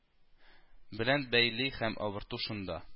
Белән бәйли һәм авырту шунда